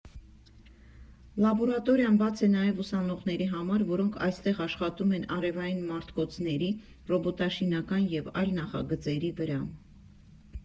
Լաբորատորիան բաց է նաև ուսանողների համար, որոնք այստեղ աշխատում են արևային մարտկոցների, ռոբոտաշինական և այլ նախագծերի վրա։